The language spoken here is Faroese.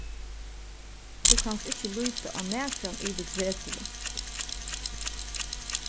tú kanst ikki líta á nakran yvir tretivu